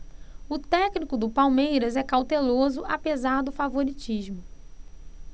o técnico do palmeiras é cauteloso apesar do favoritismo